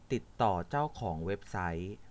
ติดต่อเจ้าของเว็บไซต์